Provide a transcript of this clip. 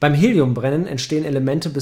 Beim Heliumbrennen entstehen Elemente